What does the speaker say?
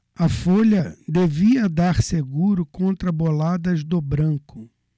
a folha devia dar seguro contra boladas do branco